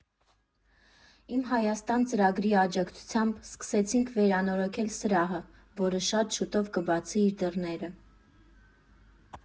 «Իմ Հայաստան» ծրագրի աջակցությամբ սկսեցինք վերանորոգել սրահը, որը շատ շուտով կբացի իր դռները։